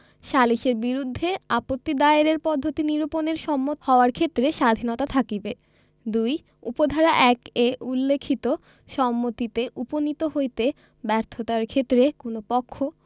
সালিসের বিরুদ্ধে আপত্তি দায়েরের পদ্ধতি নিরুপণের সম্মত হওয়ার ক্ষেত্রে স্বাধীনতা থাকিবে ২ উপ ধারা ১ এ উল্লেখিত সম্মতিতে উপনীত হইতে ব্যর্থতার ক্ষেত্রে কোন পক্ষ